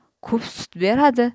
ko'p sut beradi